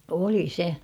oli se